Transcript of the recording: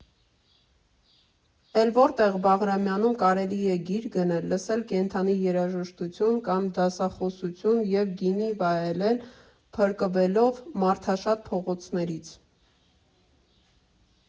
Էլ որտե՞ղ Բաղրամյանում կարելի է գիրք գնել, լսել կենդանի երաժշտություն կամ դասախոսություն և գինի վայելել՝ փրկվելով մարդաշատ փողոցներից։